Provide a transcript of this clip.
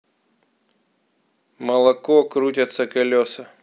молоко крутятся колеса